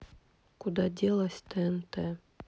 куда делось тнт